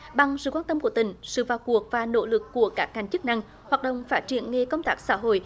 bằng sự quan tâm của tỉnh sự vào cuộc và nỗ lực của các ngành chức năng hoạt động phát triển nghề công tác xã hội